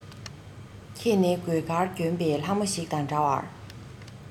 ཁྱེད ནི གོས དཀར གྱོན པའི ལྷ མོ ཞིག དང འདྲ བར